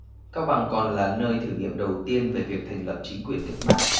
cao bằng còn là nơi thử nghiệm đầu tiên về việc thành lập chính quyền cách mạng